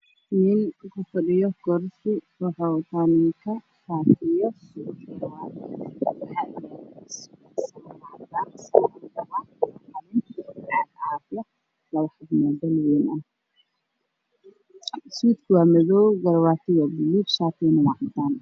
Nin ku fadhiyo kursi wuxuu wataa shaar kofi iswaal waxaa ag fadhiya nin wata suud madoobe